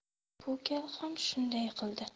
bu gal ham shunday qildi